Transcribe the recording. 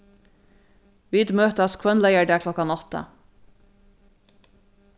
vit møtast hvønn leygardag klokkan átta